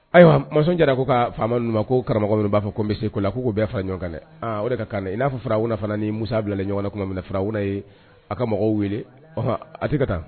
Ayiwa ma jara ko ka faama ma ko karamɔgɔ min b'a fɔ ko n bɛ se ko la k'u bɛɛ fara ɲɔgɔn kanɛ o de ka kan i n'a fɔ fararawuna fana ni mu bila ɲɔgɔn tuma fararaw ye a ka mɔgɔw wele a tɛ ka taa